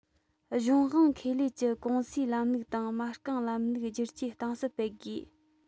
གཞུང དབང ཁེ ལས ཀྱི ཀུང སིའི ལམ ལུགས དང མ རྐང ལམ ལུགས བསྒྱུར བཅོས གཏིང ཟབ སྤེལ དགོས